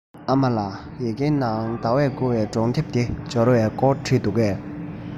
ཨ མ ལགས ཡི གེ ནང ཟླ བསྐུར བའི སྒྲུང དེབ དེ འབྱོར བའི སྐོར བྲིས འདུག གས